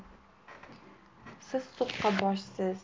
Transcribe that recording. siz so'qqaboshsiz